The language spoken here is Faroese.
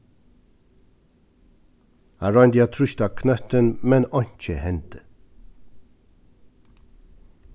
hann royndi at trýsta á knøttin men einki hendi